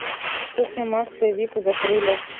кухня макса и вику закрыли